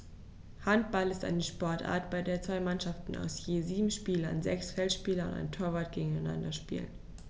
Handball ist eine Sportart, bei der zwei Mannschaften aus je sieben Spielern (sechs Feldspieler und ein Torwart) gegeneinander spielen.